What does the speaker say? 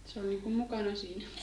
se oli niin kuin mukana siinä